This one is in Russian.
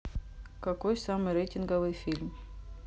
какой самый рейтинговый фильм